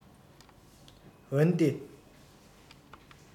འོན ཏེ